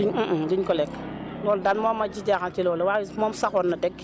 duñ duñ ko lekk loolu daal moo ma ci jaaxal ci loolu waaye moom saxoon na dëgg